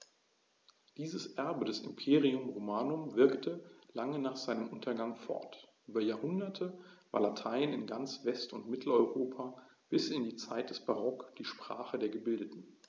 Dieses Erbe des Imperium Romanum wirkte lange nach seinem Untergang fort: Über Jahrhunderte war Latein in ganz West- und Mitteleuropa bis in die Zeit des Barock die Sprache der Gebildeten.